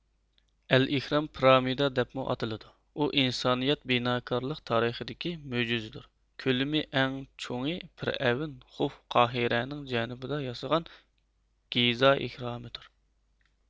ئەلھئېرام پرامىدا دەپمۇ ئاتىلىدۇ بۇ ئىنسانىيەت بىناكارلىق تارىخىدىكى مۆجىزىدۇر كۆلىمى ئەڭ چوڭى پىرئەۋىن خۇف قاھىرەنىڭ جەنۇبىدا ياسىغان گىزائېھرامىدۇر